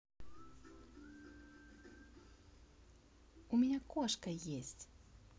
у меня кошка есть